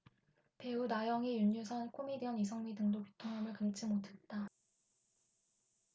배우 나영희 윤유선 코미디언 이성미 등도 비통함을 금치 못했다